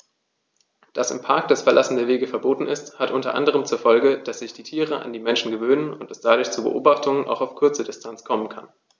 Dass im Park das Verlassen der Wege verboten ist, hat unter anderem zur Folge, dass sich die Tiere an die Menschen gewöhnen und es dadurch zu Beobachtungen auch auf kurze Distanz kommen kann.